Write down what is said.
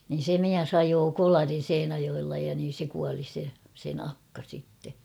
niin se mies ajoi kolarin Seinäjoella ja niin se kuoli se sen akka sitten